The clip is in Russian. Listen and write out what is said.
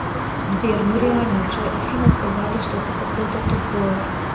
сбер ну реально джой афина сказали что ты какой ты тупой